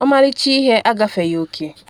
Ọmalịcha ihe agafeghị oke.